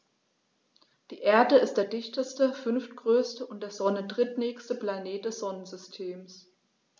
Die Erde ist der dichteste, fünftgrößte und der Sonne drittnächste Planet des Sonnensystems.